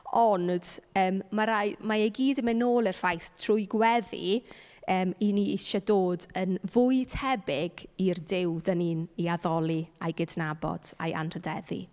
Ond, yym, ma' rai-... mae e i gyd yn mynd nôl i'r ffaith, trwy gweddi, yym 'y ni isie dod yn fwy tebyg i'r Duw dan ni'n ei addoli, a'i gydnabod a'i anrhyddeddu.